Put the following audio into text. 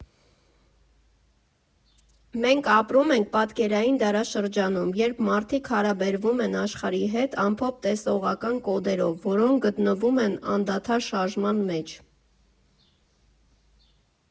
«Մենք ապրում ենք պատկերային դարաշրջանում, երբ մարդիկ հարաբերվում են աշխարհի հետ ամփոփ տեսողական կոդերով, որոնք գտնվում են անդադար շարժման մեջ։